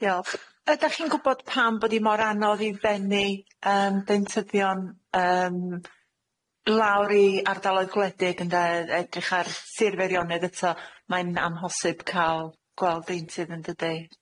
Diolch. Yy 'dach chi'n gwbod pam bod i mor anodd i fenni yym deintyddion yym lawr i ardaloedd gwledig ynde edrych ar Sir Feirionnydd eto mae'n amhosib ca'l gweld deintydd yndydi?